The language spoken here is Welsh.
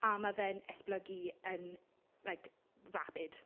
A ma' fe'n esblygu yn like rapid.